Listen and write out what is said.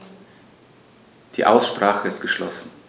Die Aussprache ist geschlossen.